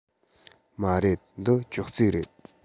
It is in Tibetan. མ རེད འདི ཅོག ཙེ རེད